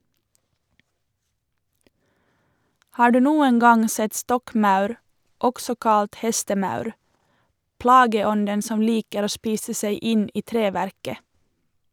Har du noen gang sett stokkmaur, også kalt hestemaur, plageånden som liker å spise seg inn i treverket?